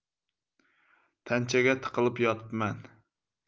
tanchaga tiqilib yotibman